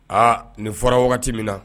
Aa nin fɔra wagati min na